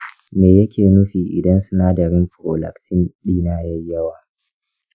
me yake nufi idan sinadarin prolactin ɗina ya yi yawa?